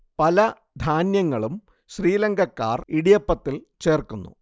പല ധാന്യങ്ങളും ശ്രീലങ്കക്കാർ ഇടിയപ്പത്തിൽ ചേർക്കുന്നു